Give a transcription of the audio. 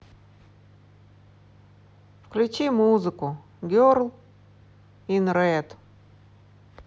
включи музыку герл ин ред